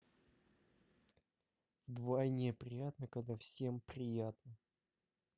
вдвойне приятно когда всем приятно